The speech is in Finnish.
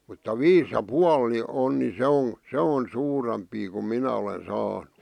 mutta viisi ja puoli niin on niin se on se on suurempia kun minä olen saanut